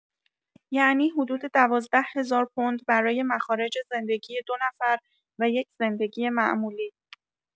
یعنی حدود ۱۲ هزار پوند برای مخارج زندگی ۲ نفر و یک زندگی معمولی.